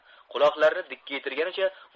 quloqlarini dikkaytirgancha